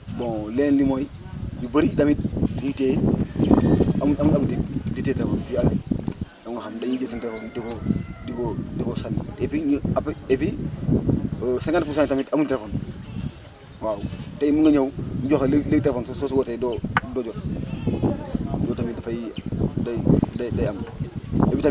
bon leneen li mooy ñu bëri tamit du ñu téye amuñ amuñ habitude di téye téléphone fii àll bi am na ñoo xam ne dañuy jël seen téléphone di ko di ko di ko sànni et puis ñu après et puis cinquante pour cent yi tamit amuñ téléphone waaw tey mun nga ñëw ñu jox la léegi-léegi téléphone soo si wootee doo doo jot loolu tamit dafay day day am